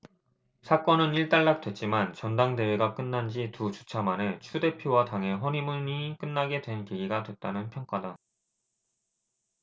사건은 일단락됐지만 전당대회가 끝난지 두 주차 만에 추 대표와 당의 허니문이 끝나게 된 계기가 됐다는 평가다